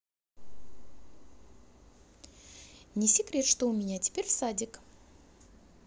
не секрет что у меня теперь в садик